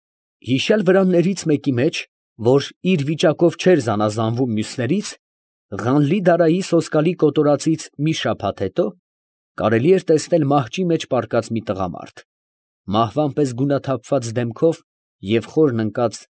Հիշյալ վրաններից մեկի մեջ, որ իր վիճակով չէր զանազանվում մյուսներից, Ղանլի֊Դարայի սոսկալի կոտորածից մի շաբաթ հետո, կարելի էր տեսնել մահճի մեջ պառկած մի տղամարդ, մահվան պես գունաթափված դեմքով և խորն ընկած։